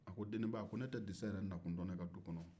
a ko deniba ne tɛ disa yɛrɛ nakun dɔn ne ka du kɔnɔ wo